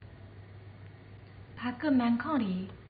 ཕ གི སྨན ཁང རེད